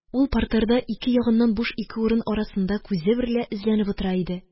Ул партерда ике ягыннан буш ике урын арасында күзе берлә эзләнеп утыра иде.